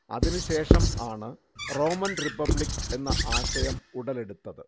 അതിനു ശേഷം ആണ് റോമൻ റിപ്പബ്ലിക്ക് എന്ന ആശയം ഉടലെടുത്തത്